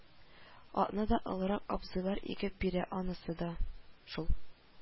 Атны да олырак абзыйлар игеп бирә, анысы да шул